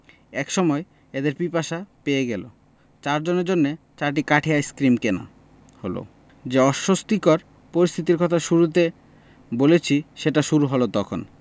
এক সময় এদের পিপাসা পেয়ে গেল চারজনের জন্যে চারটি কাঠি আইসক্রিম কেনা হল যে অস্বস্তিকর পরিস্থিতির কথা শুরুতে বলেছি সেটা শুরু হল তখন